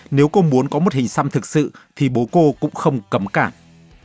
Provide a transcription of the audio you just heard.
nếu cô muốn có một hình xăm thực sự thì bố cô cũng không cấm cản